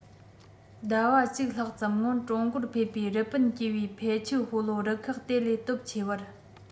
ཟླ བ གཅིག ལྷག ཙམ སྔོན ཀྲུང གོར ཕེབས པའི རི པིན སྐྱེས པའི ཕའེ ཆིའུ སྤོ ལོ རུ ཁག དེ ལས སྟོབས ཆེ བར